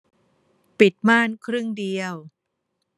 ปิดม่านครึ่งเดียว